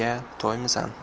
yubordim iya toymisan